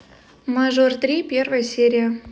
мажор три первая серия